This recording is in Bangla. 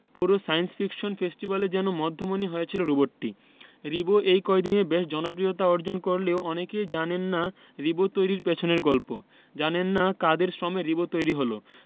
পুরো সায়েন্স ফিকশন ফেস্টিভ্যালে যেন মধ্যমণি হয়েছিল রোবটটি রিবো এই কয়দিনে বেশ জনপ্রিয়তা অর্জন করলেও অনেকেই জানেন না রিবো তৈরির পেছনের গল্প জানেন না কাদের শ্রমে রিবো তৈরি হলো